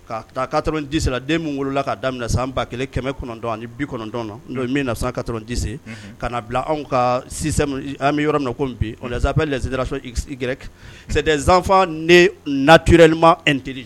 Ka dise la den min wolola k'a daminɛ san ba kelen kɛmɛ kɔnɔntɔn kɔnɔntɔn min na ka dise ka bila anw ka bɛ yɔrɔ min koap lajɛ so gɛrɛ sɛdfa ne natimateli